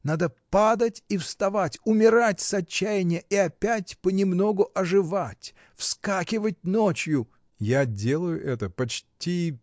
надо падать и вставать, умирать с отчаяния и опять понемногу оживать, вскакивать ночью. — Я делаю это. почти.